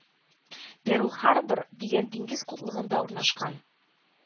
Перл-Харбор дигән диңгез култыгында урнашкан